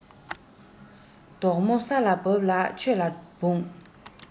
དགོངས མོ ས ལ བབས ལ ཆོས ལ འབུངས